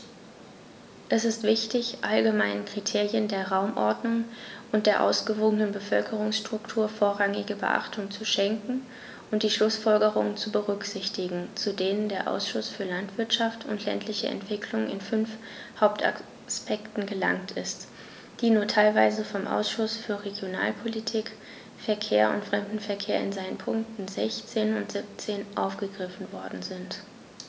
Es ist wichtig, allgemeinen Kriterien der Raumordnung und der ausgewogenen Bevölkerungsstruktur vorrangige Beachtung zu schenken und die Schlußfolgerungen zu berücksichtigen, zu denen der Ausschuss für Landwirtschaft und ländliche Entwicklung in fünf Hauptaspekten gelangt ist, die nur teilweise vom Ausschuss für Regionalpolitik, Verkehr und Fremdenverkehr in seinen Punkten 16 und 17 aufgegriffen worden sind.